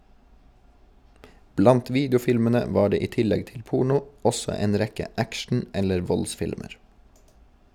Blant videofilmene var det i tillegg til porno, også en rekke action- eller voldsfilmer.